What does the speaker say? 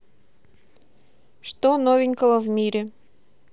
что новенького в мире